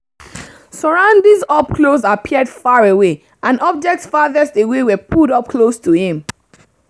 Surroundings up close appeared far away and objects farthest away were pulled up close to him.